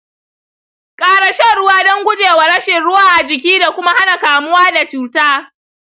ƙara shan ruwa don guje wa rashin ruwa a jiki da kuma hana kamuwa da cuta.